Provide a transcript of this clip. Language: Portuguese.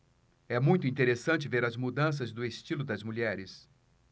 é muito interessante ver as mudanças do estilo das mulheres